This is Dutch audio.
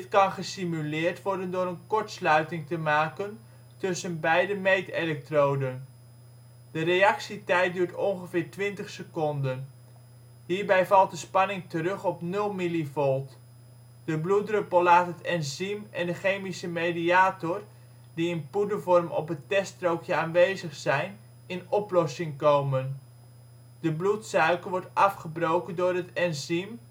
kan gesimuleerd worden door een kortsluiting te maken tussen beide meetelektroden. De reactietijd duurt ongeveer 20 s. Hierbij valt de spanning terug op 0 mV. De bloeddruppel laat het enzyme en de chemische mediator die in poedervorm op het teststrookje aanwezig zijn, in oplossing komen. De bloedsuiker wordt afgebroken door het enzyme (glucosedehydrogenase